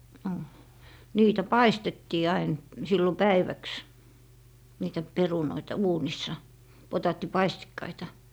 no niitä paistettiin aina silloin päiväksi niitä perunoita uunissa potaattipaistikkaita